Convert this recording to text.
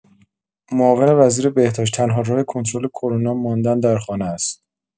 معاون وزیربهداشت: تنها راه کنترل کرونا ماندن در خانه است.